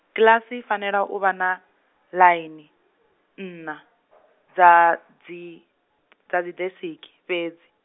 kiḽasi i fanela u vha na , ḽaini, nṋa, dza dzi, dza dzidesike, fhedzi.